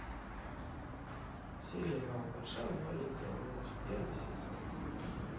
сериал большая маленькая ложь первый сезон